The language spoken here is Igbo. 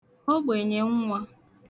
ogbènyènwā